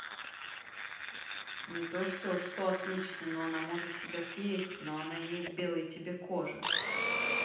не то что что отличный но она может тебя съесть но она имеет белые тебе кожи